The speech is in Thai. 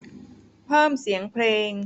เพิ่มเสียงเพลง